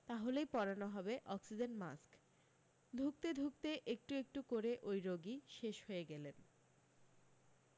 তাহলেই পরানো হবে অক্সিজেন মাস্ক ধুঁকতে ধুঁকতে একটু একটু করে ওই রোগী শেষ হয়ে গেলেন